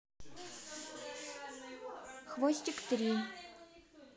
хвостик три